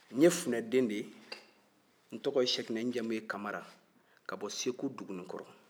n ye funɛden de ye n tɔgɔ ye siyɛkinɛ n jamu ye kamara ka bɔ segu duguninkɔrɔ